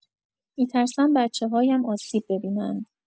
می‌ترسم بچه‌هایم آسیب ببینند.